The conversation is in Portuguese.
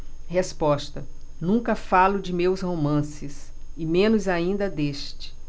resposta nunca falo de meus romances e menos ainda deste